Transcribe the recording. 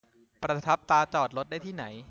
ประทับตราจอดรถได้ที่ไหน